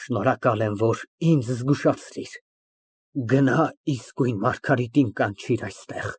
Շնորհակալ եմ, որ ինձ զգուշացրիր։ Գնա, իսկույն Մարգարիտին կանչիր այստեղ։